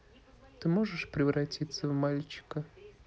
ты можешь превратиться в мальчика